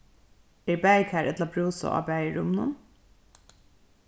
er baðikar ella brúsa á baðirúminum